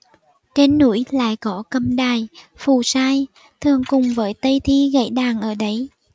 trên núi lại có cầm đài phù sai thường cùng với tây thi gẩy đàn ở đấy